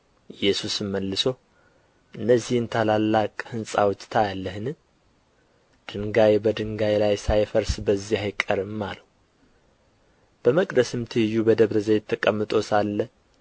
ኢየሱስም መልሶ እነዚህን ታላላቅ ሕንጻዎች ታያለህን ድንጋይ በድንጋይ ላይ ሳይፈርስ በዚህ አይቀርም አለው በመቅደስም ትይዩ በደብረ ዘይት ተቀምጦ ሳለ